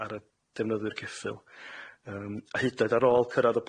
y ar y defnyddwyr ceffyl yym a hyd'n oed ar ôl cyrraedd y